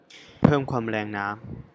เพิ่มความแรงน้ำ